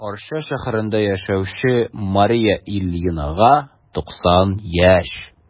Арча шәһәрендә яшәүче Мария Ильинага 90 яшь.